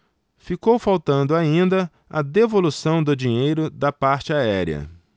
ficou faltando ainda a devolução do dinheiro da parte aérea